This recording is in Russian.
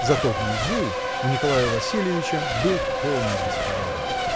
Зато внизу, у Николая Васильевича, был полный беспорядок.